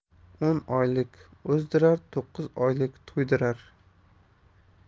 o'n oylik o'zdirar to'qqiz oylik to'ydirar